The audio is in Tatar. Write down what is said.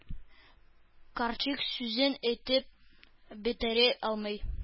Карчык сүзен әйтеп бетерә алмый.